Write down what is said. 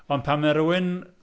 Ond pan mae rhywun...